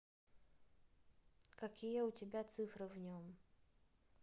какие у тебя цифры в нем